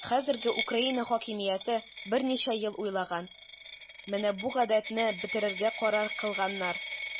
Хәзерге Украина хакимияте берничә ел уйлаган, менә бу гадәтне бетерергә карар кылганнар.